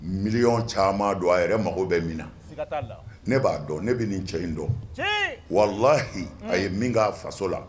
Miliyɔn caman don a yɛrɛ mago bɛ min na ne b'a dɔn ne bɛ nin cɛ in dɔn wala lahi a ye min'a faso la